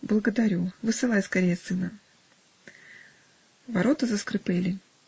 -- "Благодарю, высылай скорее сына". Ворота заскрыпели